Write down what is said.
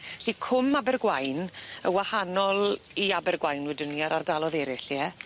'Lly cwm Abergwaun y' wahanol i Abergwaun wedwn ni ar ardalodd eryll ie?